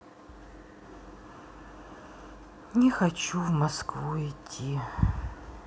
не хочу в москву идти